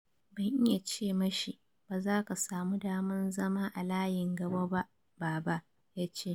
“Ban iya ce mashi ‘ba zaka samu daman zama a layin gaba ba baba’,” ya ce.